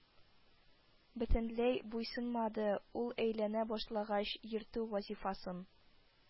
Бөтенләй буйсынмады, ул әйләнә башлагач, йөртү вазифасын